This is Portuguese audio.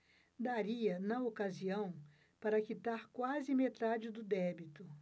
daria na ocasião para quitar quase metade do débito